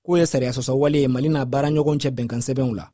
k'o ye sariya sɔsɔ ye wale ye mali n'a baaraɲɔgɔnw cɛ bɛnkansɛbɛnw la